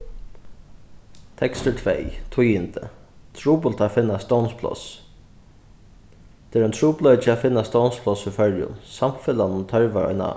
tekstur tvey tíðindi trupult at finna stovnspláss tað er ein trupulleiki at finna stovnspláss í føroyum samfelagnum tørvar eina